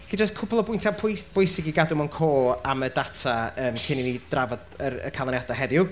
'lly jyst cwpwl o bwyntiau pwy- bwysig i gadw mewn co' am y data yym cyn i ni drafod yr y canlyniadau heddiw.